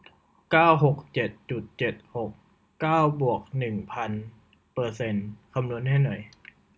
เก้าหกเจ็ดจุดเจ็ดหกเก้าบวกหนึ่งพันเปอร์เซ็นต์คำนวณให้หน่อย